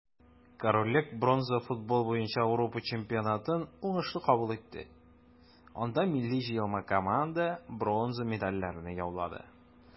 Корольлек бронза футбол буенча Ауропа чемпионатын уңышлы кабул итте, анда милли җыелма команда бронза медальләрне яулады.